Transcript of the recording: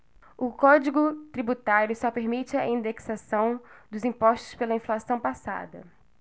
o código tributário só permite a indexação dos impostos pela inflação passada